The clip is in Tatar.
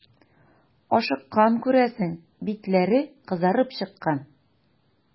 Ашыккан, күрәсең, битләре кызарып чыккан.